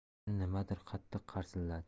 yana nimadir qattiq qarsilladi